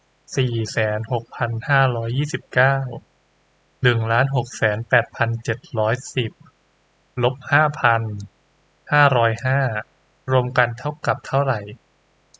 สี่แสนหกพันห้าร้อยยี่สิบเก้าล้านหกแสนแปดพันเจ็ดร้อยสิบลบห้าพันห้าร้อยห้ารวมกันเท่ากับเท่าไหร่